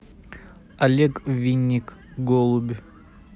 олег винник голубь